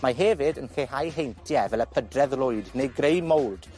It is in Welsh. Mae hefyd yn lleihau heintie, fel y Pydredd Lwyd, neu Gray Mold.